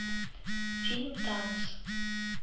фильм танос